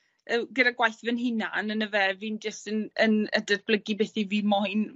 yy gyda gwaith fy'n hunan on' yfe fi'n jyst yn yn yy datblygu beth 'yf fi moyn.